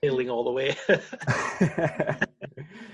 all the we.